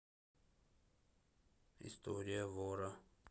история вора